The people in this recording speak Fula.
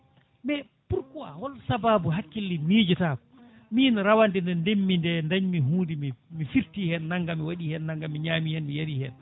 mais pourquoi hol sababu hakkille mijotako min rawade nde ndemmi nde dañmi hunde mi firti hen naggam mi waɗi hen naggam mi ñami hen mi yari hen